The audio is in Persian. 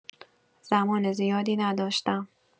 زمان زیادی نداشتم.